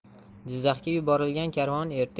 jizzaxga yuborilgan karvon erta